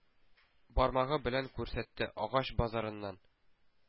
Бармагы белән күрсәтте,- агач базарыннан